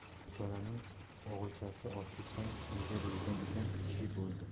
bechoraning o'g'ilchasi ochlikdan kunjara yegan ekan shishib o'ldi